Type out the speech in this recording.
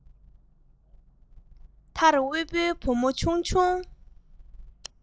མཐར དབུལ བོའི བུ མོ ཆུང ཆུང